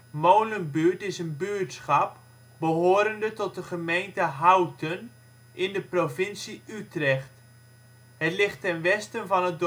Molenbuurt is een buurtschap behorende tot de gemeente Houten, in de provincie Utrecht. Het ligt ten westen van